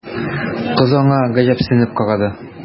Кыз аңа гаҗәпсенеп карады.